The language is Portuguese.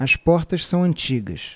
as portas são antigas